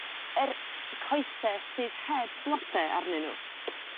yr coese sydd heb flode arnyn n'w.